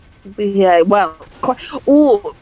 Ie wel cwe- ww...